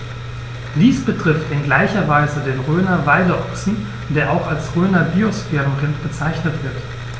Dies betrifft in gleicher Weise den Rhöner Weideochsen, der auch als Rhöner Biosphärenrind bezeichnet wird.